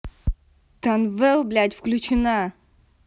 downwell блядь включена